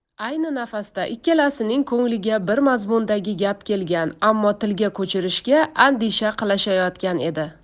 ayni nafasda ikkalasining ko'ngliga bir mazmundagi gap kelgan ammo tilga ko'chirishga andisha qilishayotgan edi